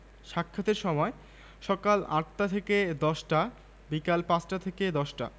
গেল সনে আপনি আমাকে বিস্তর অপমান করেছিলেন ভেড়াটা ভ্যাঁ করে কেঁদে ফেলল কিন্তু আমার তো গত বছর জন্মই হয়নি নেকড়েটা তখন বলে হতে পারে কিন্তু আমার মাঠের ঘাস খাও তুমি